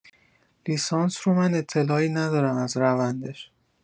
لیسانس رو من اطلاعی ندارم از روندش